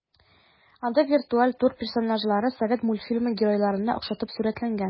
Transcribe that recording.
Анда виртуаль тур персонажлары совет мультфильмы геройларына охшатып сурәтләнгән.